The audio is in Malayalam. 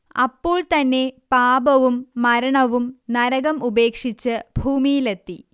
അപ്പോൾ തന്നെ പാപവും മരണവും നരകം ഉപേക്ഷിച്ച് ഭൂമിയിലെത്തി